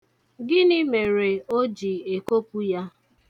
Gịnị mere o ji ekopụ ya?